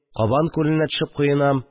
Кабан күленә төшеп коенам